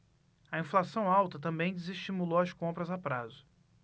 a inflação alta também desestimulou as compras a prazo